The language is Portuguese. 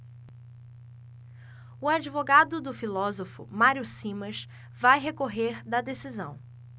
o advogado do filósofo mário simas vai recorrer da decisão